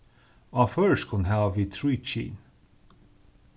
á føroyskum hava vit trý kyn